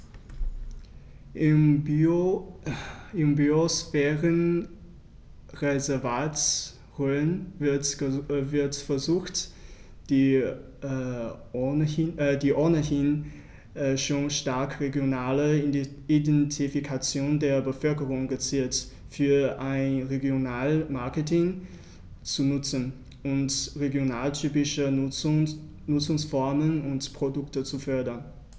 Im Biosphärenreservat Rhön wird versucht, die ohnehin schon starke regionale Identifikation der Bevölkerung gezielt für ein Regionalmarketing zu nutzen und regionaltypische Nutzungsformen und Produkte zu fördern.